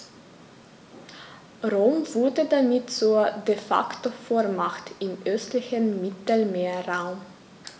Rom wurde damit zur ‚De-Facto-Vormacht‘ im östlichen Mittelmeerraum.